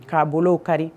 K'a bolow kari!